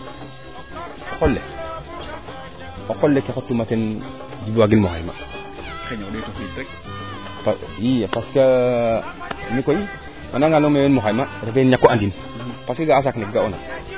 o qol le o qol le ke xotuma teen waagiin mo xaymai parce que mikoy o nana nga waagin mo xayma refe ñako andin parce que sac nene ga'oona